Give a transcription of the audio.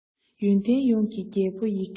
ཡོན ཏན ཡོངས ཀྱི རྒྱལ པོ ཡི གེ རེད